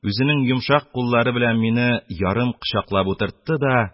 Үзенең йомшак куллары белән мине ярым кочаклап утыртты да: